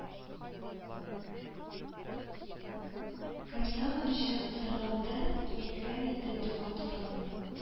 Коньягын эчеп утырганда әйткән иде, туган туфрагыңа